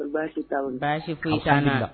Baasitan baasi kuntan